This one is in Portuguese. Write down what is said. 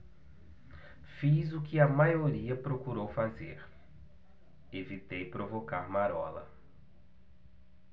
fiz o que a maioria procurou fazer evitei provocar marola